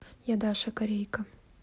я даша корейка